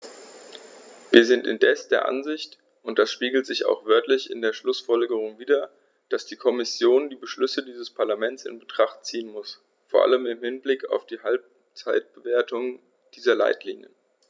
Wir sind indes der Ansicht und das spiegelt sich auch wörtlich in den Schlussfolgerungen wider, dass die Kommission die Beschlüsse dieses Parlaments in Betracht ziehen muss, vor allem im Hinblick auf die Halbzeitbewertung dieser Leitlinien.